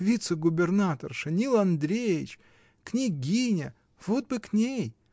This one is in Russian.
Вице-губернаторша, Нил Андреевич, княгиня: вот бы к ней!